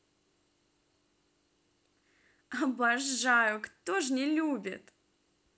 обожаю кто ж не любит